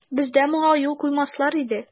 Бездә моңа юл куймаслар иде.